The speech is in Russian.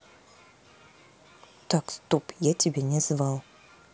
так стоп я тебя не звал